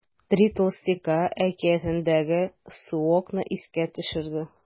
“три толстяка” әкиятендәге суокны искә төшерде.